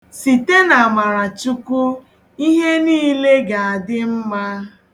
Site n'amarachukwu, ihe niile ga-adị mma.